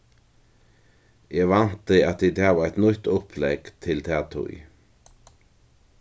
eg vænti at tit hava eitt nýtt upplegg til ta tíð